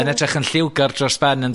yn edrych yn lliwgar dros ben, yn...